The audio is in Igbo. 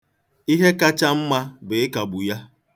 Ihe kacha mma bụ ịkagbu ya.